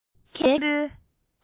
སྒྱུ རྩལ མཁན པོའི